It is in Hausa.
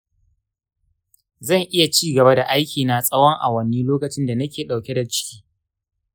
zan iya cigaba da aiki na tsawon awanni lokacinda nake dauke da ciki